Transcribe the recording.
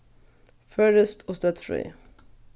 føroyskt og støddfrøði